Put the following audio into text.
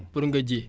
pour nga ji